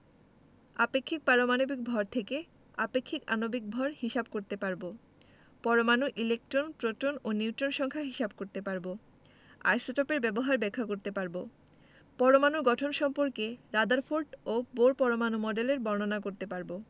আপেক্ষিক পারমাণবিক ভর থেকে আপেক্ষিক আণবিক ভর হিসাব করতে পারব পরমাণুর ইলেকট্রন প্রোটন ও নিউট্রন সংখ্যা হিসাব করতে পারব আইসোটোপের ব্যবহার ব্যাখ্যা করতে পারব পরমাণুর গঠন সম্পর্কে রাদারফোর্ড ও বোর পরমাণু মডেলের বর্ণনা করতে পারব